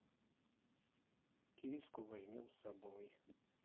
киску возьмем с собой